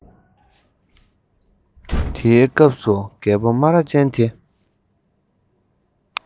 དེ སྐབས སུ རྒད པོ རྨ ར ཅན དེས